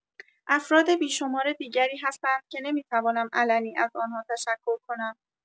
افراد بی‌شمار دیگری هستند که نمی‌توانم علنی از آن‌ها تشکر کنم.